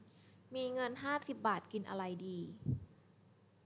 มีเงินห้าสิบบาทกินอะไรดี